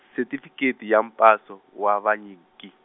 setifikheti ya mpaso, wa vanyiki.